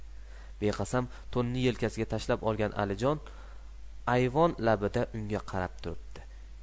beqasam to'nini yelkasiga tashlab olgan alijon aivon labida unga qarab turibdi